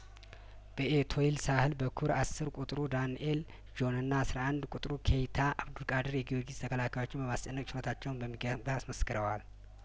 በኤቶይል ሳህል በኩል አስር ቁጥር ዳንኤል ጆንና አስራ አንድ ቁጥሩ ኬይታ አብዱል ቃድር የጊዮርጊስ ተከላካዮችን በማስጨነቅ ችሎታቸውን በሚገባ አስመስክረዋል